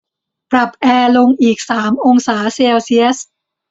ปรับแอร์ลงอีกสามองศาเซลเซียส